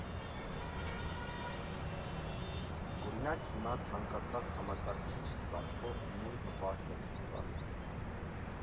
Օրինակ, հիմա ցանկացած համակարգիչ սարքող նույն վարքն է ցույց տալիս.